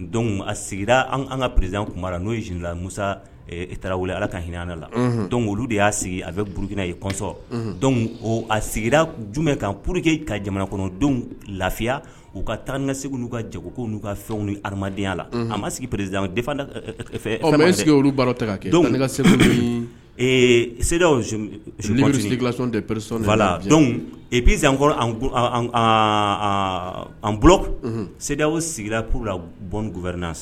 Dɔnku a sigira ka prerizkumara n'o zla musa tarawele ala ka hinɛ la dɔnku olu de y'a sigi a bɛ burukinana ye kɔsɔn a sigira jmɛ kaan pur queke ka jamana kɔnɔ don lafiya u ka taa segu n'u ka jɛgoko n'u ka fɛnw ni adamadenyaya la a ma sigi pereriz fɛ sigi ta kɛ perepizankɔrɔ an bololɔ o sigira pur la bɔngu wɛrɛna